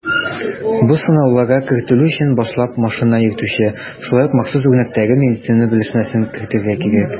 Бу сынауларга кертелү өчен башлап машина йөртүче шулай ук махсус үрнәктәге медицинасы белешмәсен китерергә тиеш.